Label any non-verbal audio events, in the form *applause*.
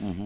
*hesitation* *hesitation*